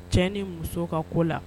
Cɛ ni muso ka ko la